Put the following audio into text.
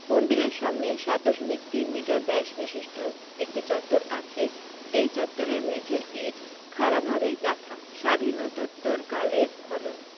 মন্দিরের সামনে ৭ দশমিক ৩ মিটার ব্যাস বিশিষ্ট একটি চত্বর আছে এই চত্বরের মেঝের ইট খাড়া ভাবে গাঁথা স্বাধীনতোত্তরকালের খনন